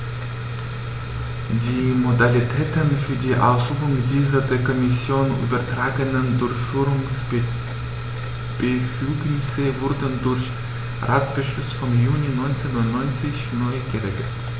Die Modalitäten für die Ausübung dieser der Kommission übertragenen Durchführungsbefugnisse wurden durch Ratsbeschluss vom Juni 1999 neu geregelt.